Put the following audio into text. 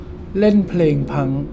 เล่นเพลงพังค์